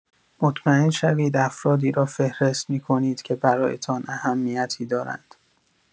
مطمئن شوید افرادی را فهرست می‌کنید که برایتان اهمیتی دارند.